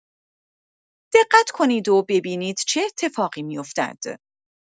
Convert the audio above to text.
دقت کنید و ببینید چه اتفاقی می‌افتد.